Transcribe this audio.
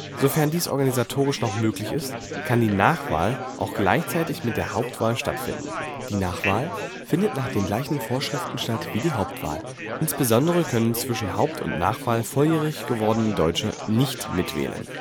Sofern dies organisatorisch noch möglich ist, kann die Nachwahl auch gleichzeitig mit der Hauptwahl stattfinden. Die Nachwahl findet nach den gleichen Vorschriften statt wie die Hauptwahl; insbesondere können zwischen Haupt - und Nachwahl volljährig gewordene Deutsche nicht mitwählen